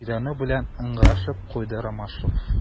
Җирәнү белән ыңгырашып куйды Ромашов.